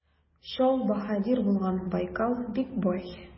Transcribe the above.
Чал баһадир булган Байкал бик бай.